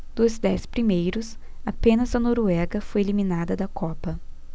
dos dez primeiros apenas a noruega foi eliminada da copa